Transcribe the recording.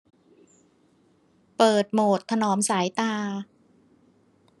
เปิดโหมดถนอมสายตา